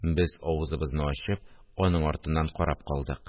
Без, авызыбызны ачып, аның артыннан карап калдык